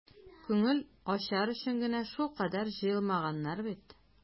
Күңел ачар өчен генә шулкадәр җыелмаганнар бит.